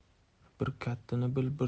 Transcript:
bir kattani bil